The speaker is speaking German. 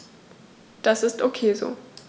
Das ist ok so.